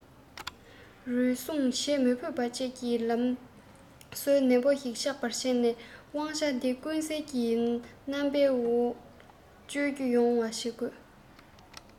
རུལ སུངས བྱེད མི ཕོད པ བཅས ཀྱི ལམ སྲོལ ནུས ལྡན ཞིག ཆགས པར བྱས ནས དབང ཆ དེ ཀུན གསལ གྱི རྣམ པའི འོག སྤྱོད རྒྱུ ཡོང བ བྱེད དགོས